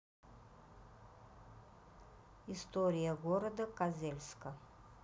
история города козельска